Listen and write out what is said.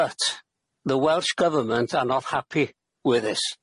But the Welsh Government are not happy with this.